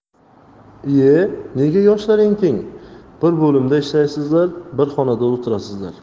iy e nega yoshlaring teng bir bo'limda ishlaysizlar bir xonada o'tirasizlar